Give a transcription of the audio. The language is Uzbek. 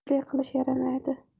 bunday qilish yaramaydi